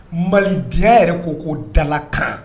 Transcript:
Malidenya yɛrɛ ko ko dalakan